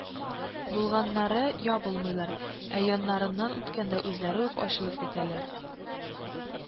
Булганнары ябылмыйлар, ә яннарыннан үткәндә үзләре үк ачылып китәләр